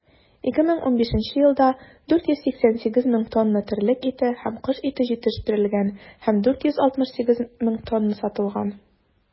2015 елда 488 мең тонна терлек ите һәм кош ите җитештерелгән һәм 468 мең тонна сатылган.